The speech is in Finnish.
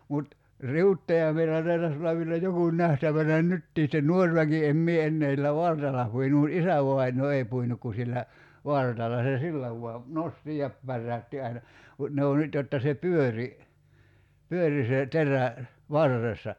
mutta riuttoja meillä taitaisi olla vielä joku nähtävänä nytkin sitten nuori väki en minä enää sillä vartalla puinut mutta isävainaa ei puinut kuin sillä vartalla se sillä vain nosti ja päräytti aina mutta ne on nyt jotta se pyöri pyöri se terä varressa